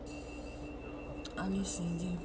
алиса иди